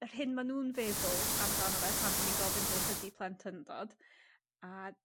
yr hyn ma' nhw'n feddwl amdano fe pan 'dyn ni'n gofyn beth ydi plentyndod a